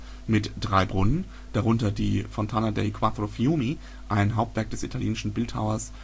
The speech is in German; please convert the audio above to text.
drei Brunnen (darunter die Fontana dei Quattro Fiumi, ein Hauptwerk des italienischen Bildhauers